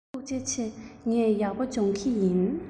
ཐུགས རྗེ ཆེ ངས ཡག པོ སྦྱོང གི ཡིན